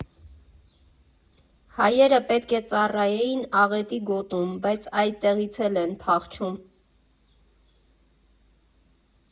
Հայերը պետք է ծառայեին աղետի գոտում, բայց այդտեղից էլ են փախչում։